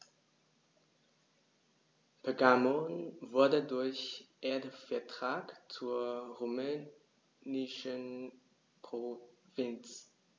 Pergamon wurde durch Erbvertrag zur römischen Provinz.